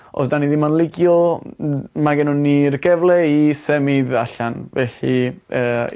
os 'dan ni ddim yn licio m- n- ma' gennon ni'r gyfle i symud allan felly yy...